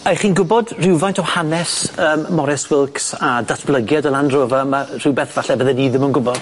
Aych chi'n gwbod rywfaint o hanes yym Maurice Wilks a datblygiad y lan drofa yma rhywbeth falle bydden i ddim yn gwbod?